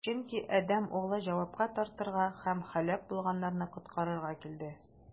Чөнки Адәм Углы җавапка тартырга һәм һәлак булганнарны коткарырга килде.